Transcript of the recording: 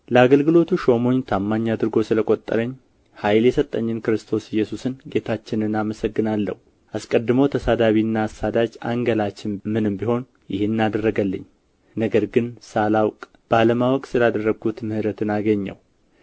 ለአገልግሎቱ ሾሞኝ ታማኝ አድርጎ ስለ ቈጠረኝ ኃይል የሰጠኝን ክርስቶስ ኢየሱስን ጌታችንን አመሰግናለሁ አስቀድሞ ተሳዳቢና አሳዳጅ አንገላችም ምንም ብሆን ይህን አደረገልኝ ነገር ግን ሳላውቅ ባለማመን ስላደረግሁት ምህረትን አገኘሁ